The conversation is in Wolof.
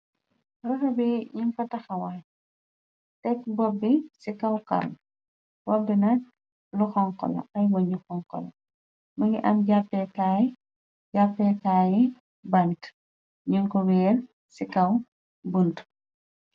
Ratobi ñiñ ko taxawaay tekk bobbi ci kaw kar bobbina lu xonkolo ay woñu xonko mu ngi am jàppekaayi bante ñung ko weer ci kaw buntu.